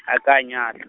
ha ka a nyala.